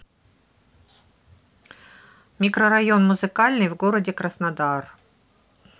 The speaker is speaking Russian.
микрорайон музыкальный в городе краснодар